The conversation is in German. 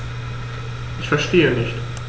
Ich verstehe nicht.